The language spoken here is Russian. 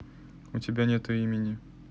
у тебя нету имени